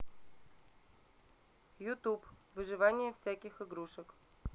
ютуб выживание всяких игрушек